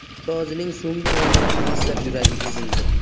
ustozining so'nggi onlarini eslab yuragi ezildi